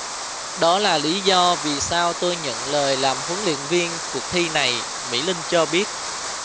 đó là lý do vì sao tôi nhận lời làm huấn luyện viên cuộc thi này mỹ linh cho biết